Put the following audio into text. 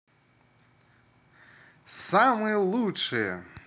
самые лучшие